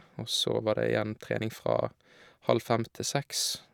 Og så var det igjen trening fra halv fem til seks.